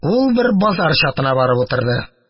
Ул бер базар чатына барып утырды.